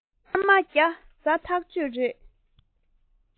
སྐར མ བརྒྱ ཟ ཐག གཅོད རེད